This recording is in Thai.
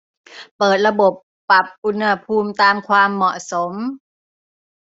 เปิดระบบปรับอุณหภูมิตามความเหมาะสม